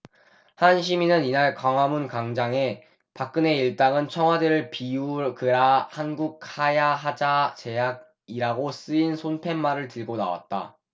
한 시민은 이날 광화문광장에 박근혜 일당은 청와대를 비우그라 한국하야하자 제약이라고 쓰인 손팻말을 들고 나왔다